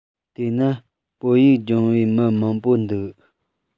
དེས ན བོད ཡིག སྦྱོང བའི མི མང པོ འདུག